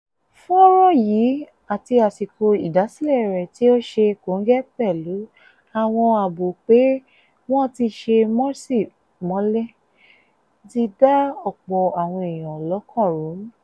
Fọ́nràn yìí, àti àsìkò ìdásílẹ̀ rẹ̀ tí ó ṣe kòǹgẹ́ pẹ̀lú àwọn àbọ̀ pé wọ́n ti sé Morsi mọ́lé, ti da ọ̀pọ̀ àwọn èèyàn lọ́kàn rú.